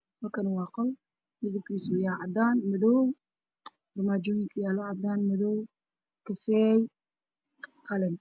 Halkan wa qol midabkisu yahay cadan iyo madow arma joying yalo wa madow kafe